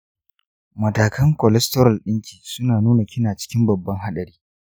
matakan cholesterol ɗinki suna nuna kina cikin babban haɗari.